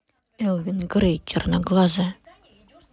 элвин грей черноглазая